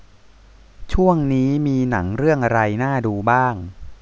ช่วงนี้มีหนังเรื่องอะไรน่าดูบ้าง